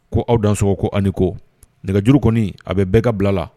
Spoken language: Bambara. Ko aw dan sogoɔgɔ ko ani ko nɛgɛjuru kɔni a bɛ bɛɛ ka bila la